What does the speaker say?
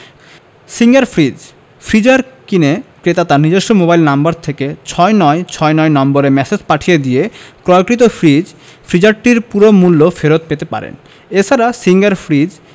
singer fridge freezer কিনে ক্রেতা তার নিজস্ব মোবাইল নম্বর থেকে ৬৯৬৯ নম্বরে ম্যাসেজ পাঠিয়ে দিয়ে ক্রয়কৃত ফ্রিজ ফ্রিজারটির পুরো মূল্য ফেরত পেতে পারেন এ ছাড়া সিঙ্গার ফ্রিজ